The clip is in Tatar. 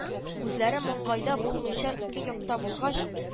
Күзләре маңгайда булмыйча ике якта булгач